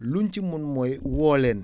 luñ ci mun mooy woo leen